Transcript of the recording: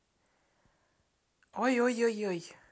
ойойой